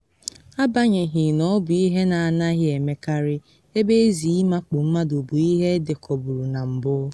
Agbanyeghị na ọ bụ ihe na anaghị emekarị, ebe ezi ịmakpu mmadụ bụ ihe edekọburu na mbụ.